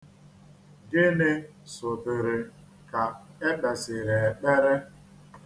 Gịnị sotere ka ekpesịrị ekpere?